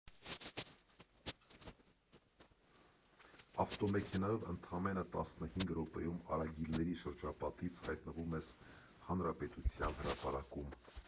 Ավտոմեքենայով ընդամենը տասնհինգ րոպեում արագիլների շրջապատից հայտնվում ես Հանրապետության հրապարակում։